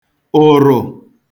ụ̀rụ̀